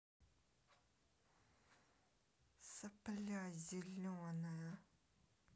сопля зеленая